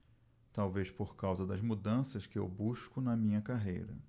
talvez por causa das mudanças que eu busco na minha carreira